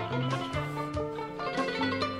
Sangɛnin yo